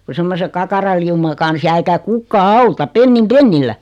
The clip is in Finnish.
kun semmoisen kakaralauman kanssa jää eikä kukaan auta pennin pennillä